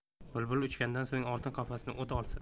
bulbul uchgandan so'ng oltin qafasni o't olsin